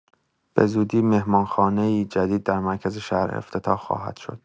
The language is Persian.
به‌زودی مهمانخانه‌ای جدید در مرکز شهر افتتاح خواهد شد.